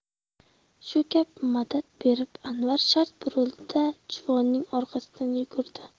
shu gap madad berib anvar shart burildi da juvonning orqasidan yugurdi